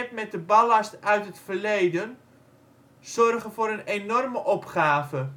met de ballast uit het verleden, zorgen voor een enorme opgave